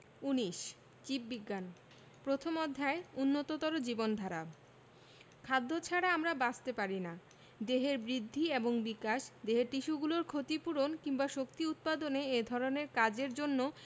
১৯ জীববিজ্ঞান প্রথম অধ্যায় উন্নততর জীবনধারা খাদ্য ছাড়া আমরা বাঁচতে পারি না দেহের বৃদ্ধি এবং বিকাশ দেহের টিস্যুগুলোর ক্ষতি পূরণ কিংবা শক্তি উৎপাদন এ ধরনের কাজের জন্য